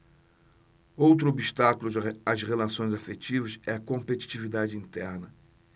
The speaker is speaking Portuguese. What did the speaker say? outro obstáculo às relações afetivas é a competitividade interna